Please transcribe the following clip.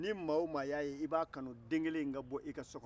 ni maa o maa y'a ye i b'a kanu den kelenka bɔ i ka so kɔnɔ